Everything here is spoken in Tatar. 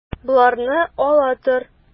Боларын ала тор.